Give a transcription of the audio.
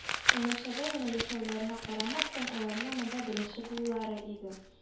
Янәшәдә генә яшәүләренә карамастан, аларның монда беренче булулары иде